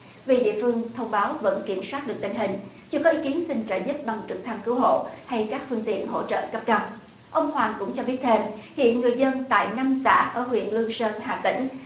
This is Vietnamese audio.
về địa phương thông báo vẫn kiểm soát được tình hình chưa có ý kiến xin trợ giúp bằng trực thăng cứu hộ hay các phương tiện hỗ trợ cấp cao ông hoàng cũng cho biết thêm hiện người dân tại năm xã ở huyện lương sơn hà tĩnh